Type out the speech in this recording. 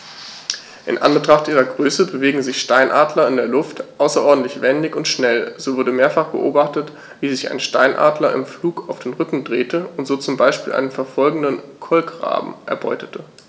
In Anbetracht ihrer Größe bewegen sich Steinadler in der Luft außerordentlich wendig und schnell, so wurde mehrfach beobachtet, wie sich ein Steinadler im Flug auf den Rücken drehte und so zum Beispiel einen verfolgenden Kolkraben erbeutete.